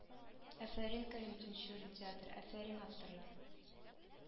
Әфәрин кәрим тинчурин театры әфәрин авторлар